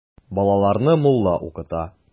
Балаларны мулла укыта.